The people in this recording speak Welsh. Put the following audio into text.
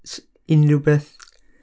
S- unrhyw beth.